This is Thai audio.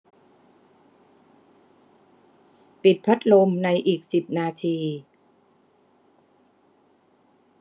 ปิดพัดลมในอีกสิบนาที